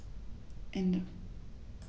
Ende.